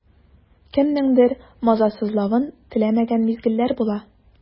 Кемнеңдер мазасызлавын теләмәгән мизгелләр була.